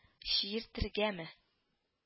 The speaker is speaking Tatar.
Чиертергәме